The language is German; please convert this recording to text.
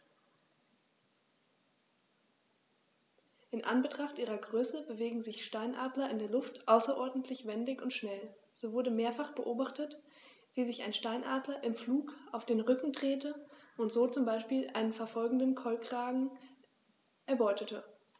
In Anbetracht ihrer Größe bewegen sich Steinadler in der Luft außerordentlich wendig und schnell, so wurde mehrfach beobachtet, wie sich ein Steinadler im Flug auf den Rücken drehte und so zum Beispiel einen verfolgenden Kolkraben erbeutete.